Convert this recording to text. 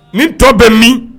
Nin tɔ bɛ min